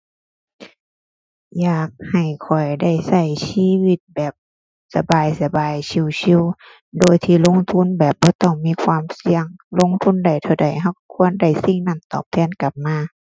อยากให้ข้อยได้ใช้ชีวิตแบบสบายสบาย ชิลชิล โดยที่ลงทุนแบบบ่ต้องมีความเสี่ยง ลงทุนได้เท่าใด ใช้ควรได้สิ่งนั้นตอบแทนกลับมา